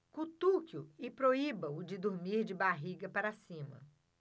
cutuque-o e proíba-o de dormir de barriga para cima